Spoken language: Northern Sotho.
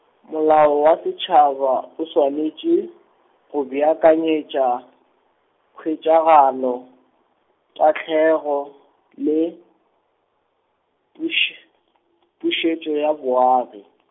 molao wa setšhaba o swanetše, go beakanyetša, khwetšagalo, tahlegelo, le, puše- , pušetšo ya boagi.